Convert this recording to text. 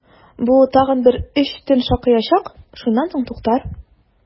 Бу тагын бер өч төн шакыячак, шуннан соң туктар!